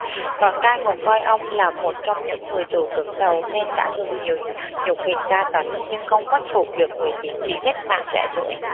bọn cai ngục coi ông là một trong những người tù cứng đầu nên đã dùng nhiều nhục hình tra tấn nhưng không khuất phục được người chiến sĩ cách mạng trẻ tuổi